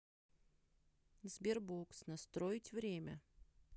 sberbox настроить время